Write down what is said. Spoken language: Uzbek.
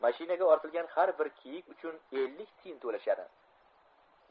mashinaga ortilgan har bir kiyik uchun ellik tiyin to'lashadi